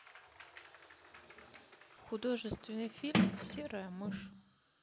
художественный фильм серая мышь